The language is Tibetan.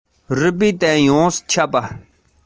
དེ ནས བཟུང ང རང གླུ དབྱངས